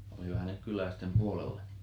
oli vähän - kyläisten puolelle